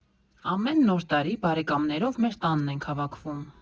Ամեն Նոր տարի բարեկամներով մեր տանն ենք հավաքվում։